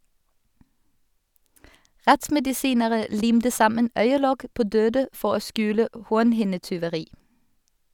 Rettsmedisinere limte sammen øyelokk på døde for å skjule hornhinnetyveri.